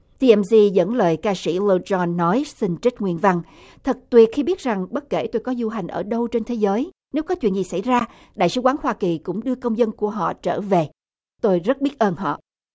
ti em di dẫn lời ca sĩ lâu don nói xin trích nguyên văn thật tuyệt khi biết rằng bất kể tôi có du hành ở đâu trên thế giới nếu có chuyện gì xảy ra đại sứ quán hoa kỳ cũng đưa công dân của họ trở về tôi rất biết ơn họ